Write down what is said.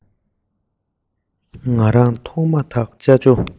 ང རང མཐོང མ ཐག ཅ ཅོ